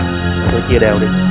thôi chia đều đi